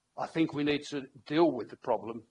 I think we need to deal with the problem